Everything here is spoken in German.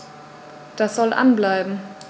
Das soll an bleiben.